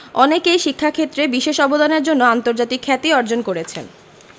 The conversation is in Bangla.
অনেকেই শিক্ষাক্ষেত্রে বিশেষ অবদানের জন্য আন্তর্জাতিক খ্যাতি অর্জন করেছেন